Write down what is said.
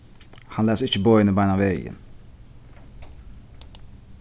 hann las ikki boðini beinanvegin